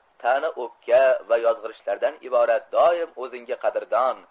tanao'pka va yozg'irishlardan iborat doim o'zingga qadrdon